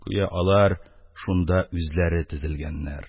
Гүя алар шунда үзләре тезелгәннәр.